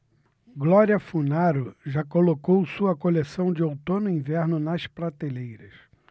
glória funaro já colocou sua coleção de outono-inverno nas prateleiras